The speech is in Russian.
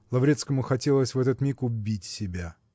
Лаврецкому хотелось в этот миг убить себя.